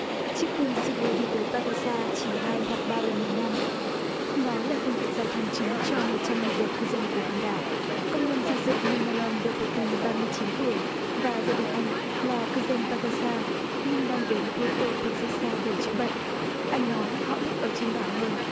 chiếc quyn xi gô đi tới pa ca xa chỉ hai hoặc ba lần một năm nó là phương tiện giao thông chính cho một trăm mười bảy cư dân của hòn đảo công nhân xây dựng nô lơ lon pê pô tin ba mươi chín tuổi và gia đình anh là cư dân pa ca xa nhưng đang đến pu ét tô pu rét xa để chữa bệnh anh nói họ thích ở trên đảo hơn